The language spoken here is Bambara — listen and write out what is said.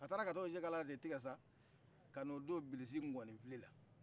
a taara ka t'o njekala de tigɛ sa ka n'o do bilisi ngɔɔnifile la